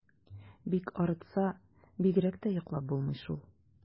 Бик арытса, бигрәк тә йоклап булмый шул.